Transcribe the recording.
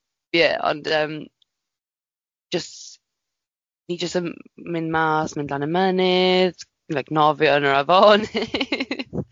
Ie ond yym jyst ni jyst yn mynd mas, mynd lan y mynydd, like nofio yn yr afon.